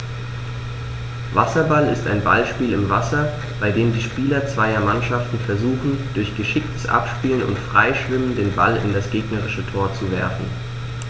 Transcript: Wasserball ist ein Ballspiel im Wasser, bei dem die Spieler zweier Mannschaften versuchen, durch geschicktes Abspielen und Freischwimmen den Ball in das gegnerische Tor zu werfen.